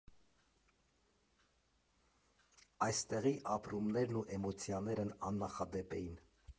Այստեղի ապրումներն ու էմոցիաներն աննախադեպ էին։